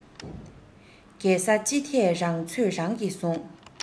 གས ས ཅི ཐད རང ཚོད རང གིས བཟུང